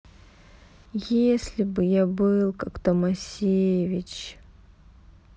если бы я был как томасевич